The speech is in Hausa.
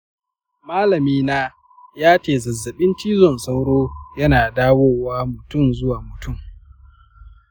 malami na yace zazzaɓin cizon sauro yana yaɗuwa mutum zuwa mutum.